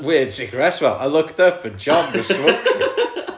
weird cigarette smell I looked up and John was smoking